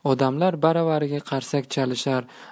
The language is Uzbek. odamlar baravariga qarsak chalishar